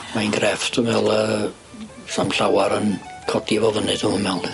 Mae'n grefft dwi'n meddwl yy sa'm llawar yn codi fo fyny dwi'm yn me'wl de.